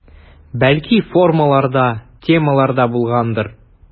Бәлки формалар да, темалар да булгандыр.